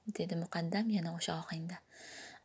dedi muqaddam yana o'sha ohangda